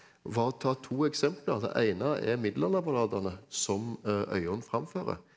ta to eksempler det ene er middelalderballadene som Øyonn framfører.